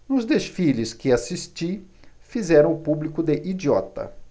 nos desfiles que assisti fizeram o público de idiota